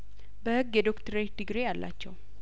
በህግ የዶክትሬት ዲግሪ አላቸው